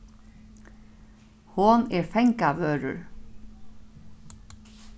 hon er fangavørður